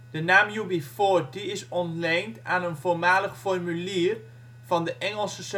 De naam UB40 is ontleend aan een voormalig formulier van de Engelse